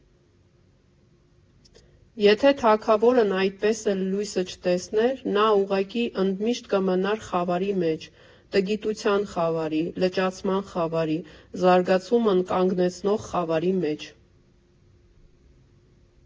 Եթե թագավորն այդպես էլ լույսը չտեսներ, նա ուղղակի ընդմիշտ կմնար խավարի մեջ՝ տգիտության խավարի, լճացման խավարի, զարգացումը կանգնեցնող խավարի մեջ։